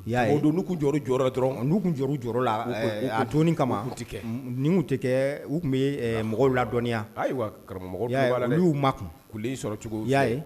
O donlu jɔyɔrɔ jɔyɔrɔ dɔrɔn jɔyɔrɔ jɔyɔrɔ la a don kama tɛ ni tɛ u tun bɛ mɔgɔw ladɔniya ayiwa karamɔgɔ lau ma y'i sɔrɔ cogo'a ye